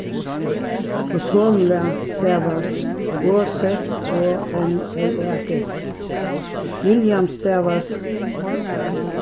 ozonlag stavast o z o n l a g william stavast